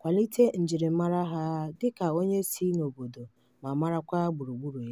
kwalite njirimara ha dị ka onye si n'obodo ma marakwa gburugburu ahụ.